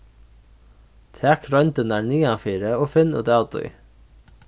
tak royndirnar niðanfyri og finn út av tí